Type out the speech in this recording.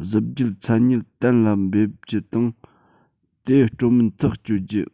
གཟི བརྗིད མཚན སྙན གཏན ལ འབེབས རྒྱུ དང དེ སྤྲོད མིན ཐག གཅོད རྒྱུ